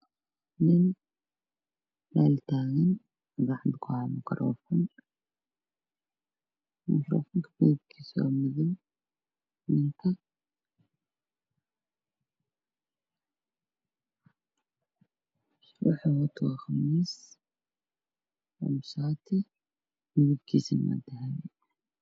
Waxaa ii Muuqda Nin wata dhar cagaaran waxa uuna wataa makrofoon gadaalna waxaa ka xiga boor iyo wax ku qoran yihiin